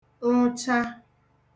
rụcha